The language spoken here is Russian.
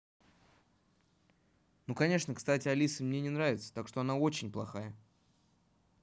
ну конечно кстати алиса мне не нравится так что она очень плохая